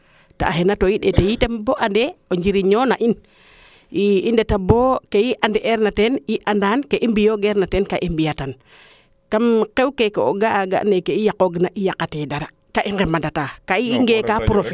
ta a xene to i ndeete yitam bo ande o njiriño na in i ndeta boo ke i an eer na teen i andaan ke i mbiyo geer na teen ka i mbiya tan kam qew keeke o ga'a ga neeke i yaqoog na i yaqate dara ka i ngemanda ta pour feet kay